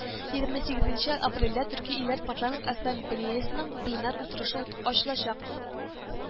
Егерме сигезенче апрельдә төрки илләр парламент ассамблеясының пленар утырышы ут ачылачак